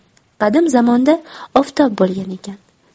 qadim zamonda oftob bo'lgan ekan